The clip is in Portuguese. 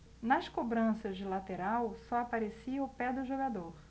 nas cobranças de lateral só aparecia o pé do jogador